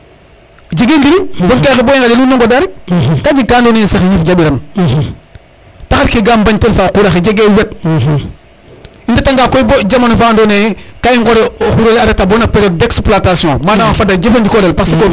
jege njiriñbon kay fat i ŋaƴa nuun no ŋoda rek ka jeg ka ando anye sax yiif jambiran taxar ke ga mbañ tel foxa quraxe jege wet i ndeta nga koy bo jamano fa ando naye ka i ŋore o qurole a reta bono periode d' exploitation manam a fada jefandikorel